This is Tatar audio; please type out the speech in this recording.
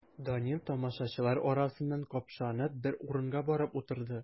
Данил, тамашачылар арасыннан капшанып, бер урынга барып утырды.